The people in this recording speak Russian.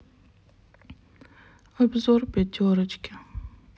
обзор пятерочки